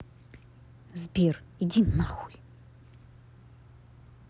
сбер иди нахуй